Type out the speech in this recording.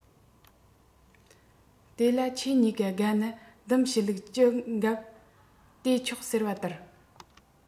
དེ ལ ཕྱོགས གཉིས ཀ དགའ ན སྡུམ བྱེད ལུགས ཇི འགབ བལྟས ཆོག ཟེར བ ལྟར